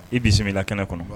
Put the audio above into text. I bisimila kɛnɛ kɔnɔ